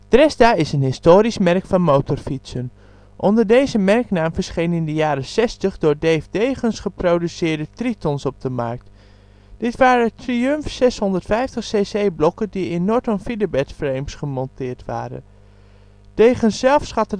Dresda is een historisch merk van motorfietsen. Onder deze merknaam verschenen in de jaren zestig door Dave Degens geproduceerde Tritons op de markt. Dit waren Triumph 650 cc blokken die in Norton-featherbed-frames gemonteerd waren. Degens zelf schat